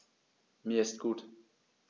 Mir ist gut.